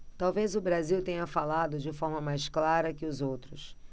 talvez o brasil tenha falado de forma mais clara que os outros